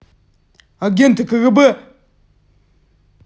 агенты кгб